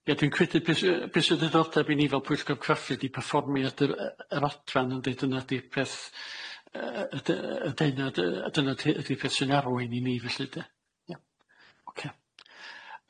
Ia dwi dwin credu be be sy'n o ddiddordeb i ni fel pwyllgor craffu perfformiad y yr adran ynde dyna di peth, yy yy yy yy dyna dy- dyna dy- dydi'r peth sy'n arwain i ni felly de. Ie. Ocê.